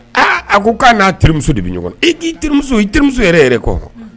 Aa a ko k'a n'a terimuso de bɛ ɲɔgɔn i i terimuso yɛrɛ yɛrɛ kɔ